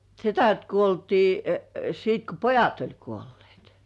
sedät kuoltiin sitten kun pojat oli kuolleet